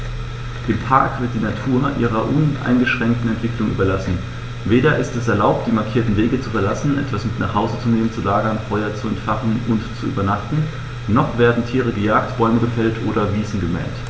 Im Park wird die Natur ihrer uneingeschränkten Entwicklung überlassen; weder ist es erlaubt, die markierten Wege zu verlassen, etwas mit nach Hause zu nehmen, zu lagern, Feuer zu entfachen und zu übernachten, noch werden Tiere gejagt, Bäume gefällt oder Wiesen gemäht.